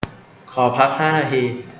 ขอพักห้านาที